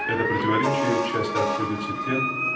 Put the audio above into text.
Это противоречие часто обходится тем